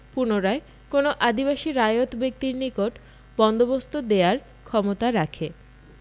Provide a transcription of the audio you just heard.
পুনরায় কোনও আদিবাসী রায়ত ব্যক্তির নিকট বন্দোবস্ত দেয়ার ক্ষমতা রাখে